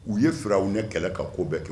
U ye sira u ni kɛlɛ ka ko bɛɛtu